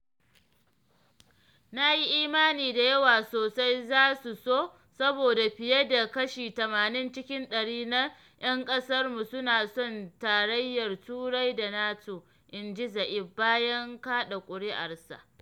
“Na yi imani da yawa sosai za su so saboda fiye da kashi 80 cikin ɗari na ‘yan ƙasarmu suna son Tarayyar Turai da NATO,”inji Zaev bayan kaɗa kuri’arsa.